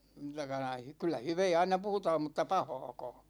tai noin kyllä hyvää aina puhutaan mutta pahaakaan